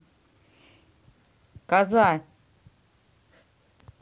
коза